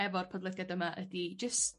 efo'r podlediad yma ydi jyst